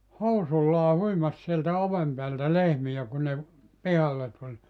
housuillaan huimasi sieltä oven päältä lehmiä kun ne - pihalle tuli